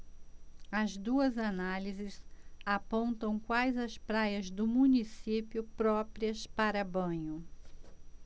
as duas análises apontam quais as praias do município próprias para banho